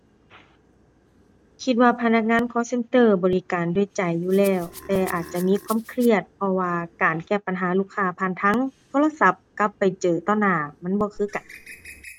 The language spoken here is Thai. คิดว่าพนักงาน call center บริการด้วยใจอยู่แล้ว แต่อาจจะมีความเครียด เพราะว่าการแก้ปัญหาลูกค้าผ่านทางโทรศัพท์กับไปเจอต่อหน้า มันบ่คือกัน